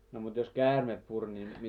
no mutta jos käärme puri niin mitäs sitten tehtiin